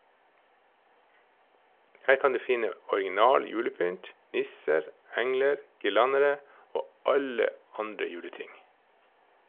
Her kan du finne original julepynt, nisser, engler, girlandere og alle andre juleting.